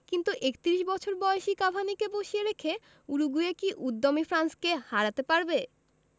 কিন্তু ৩১ বছর বয়সী কাভানিকে বসিয়ে রেখে উরুগুয়ে কি উদ্যমী ফ্রান্সকে হারাতে পারবে